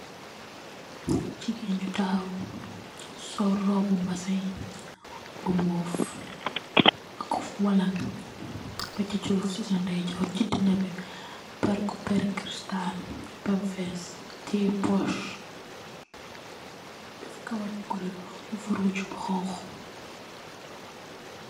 Jegain ju tahaw sol roubu mbazin bu move akup walang base cuuf che sa ndeyjorr se dena be perr ku pere cristal bam fess teye puss def kawar bu gouda def rogg bu xonko.